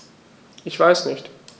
Ich weiß nicht.